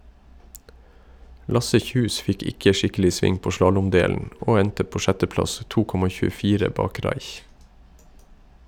Lasse Kjus fikk ikke skikkelig sving på slalåmdelen, og endte på sjetteplass, 2,24 bak Raich.